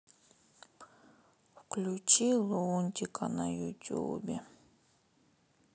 включи лунтика на ютубе